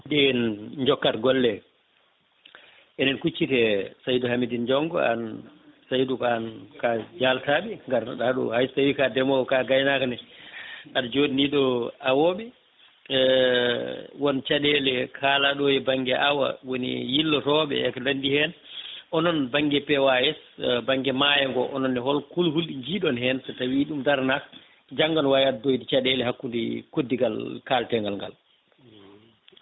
nde en jokkat golle eɗen kucciti e Saydou Hamedine Diongo an Saydou ko an ka jaltaɓe garnoɗaɗo hayso tawi ka ndeemowo ka gaynakane aɗa joɗani ɗo awoɓe e woon caɗele kalaɗo e banggue awa woni yillotoɓe eko nandi hen onoon banggue PAS banggue maayo ngo onoon ne hol kuluhuli jiiɗon hen so tawi ɗum daranaka janngo ne wawi addudoyde caɗele hakkude koddigal kalte ngal ngal